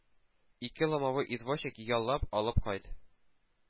Ике ломовой извозчик яллап алып кайт!